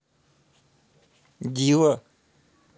диво